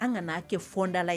An ka n'a kɛ fɔda ye